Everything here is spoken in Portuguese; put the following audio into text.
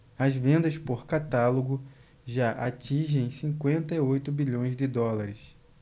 as vendas por catálogo já atingem cinquenta e oito bilhões de dólares